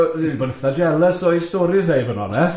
yy wedi bod itha jealous o'i storis e i fod yn onest.